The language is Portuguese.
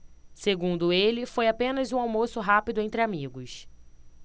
segundo ele foi apenas um almoço rápido entre amigos